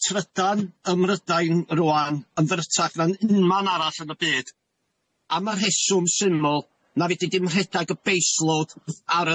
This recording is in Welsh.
Trydan ym Mrydain rŵan yn fyrrtach na'n unman arall yn y byd am y rheswm syml, na fedri di'm rhedag y base load ar